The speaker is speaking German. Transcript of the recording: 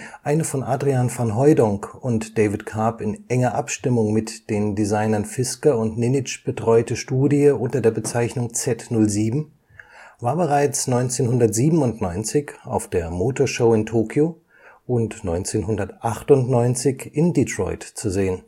Eine von Adrian van Hooydonk und David Carp in enger Abstimmung mit den Designern Fisker und Ninic betreute Studie unter der Bezeichnung Z 07 war bereits 1997 auf der Motor-Show in Tokio und 1998 in Detroit zu sehen